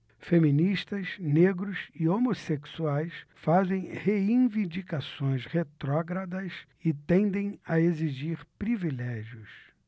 feministas negros e homossexuais fazem reivindicações retrógradas e tendem a exigir privilégios